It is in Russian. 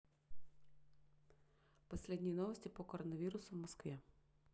последние новости по коронавирусу в москве